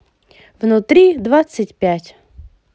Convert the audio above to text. внутри двадцать пять